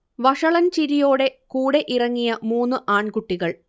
വഷളൻ ചിരിയോടെ കൂടെ ഇറങ്ങിയ മൂന്നു ആൺകുട്ടികൾ